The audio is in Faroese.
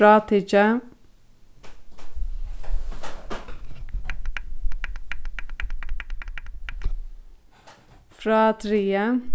frátikið frádrigið